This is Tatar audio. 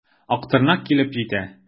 Актырнак килеп җитә.